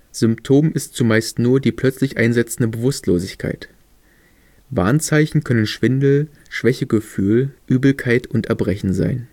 Symptom ist zumeist nur die plötzlich einsetzende Bewusstlosigkeit. Warnzeichen können Schwindel, Schwächegefühl, Übelkeit und Erbrechen sein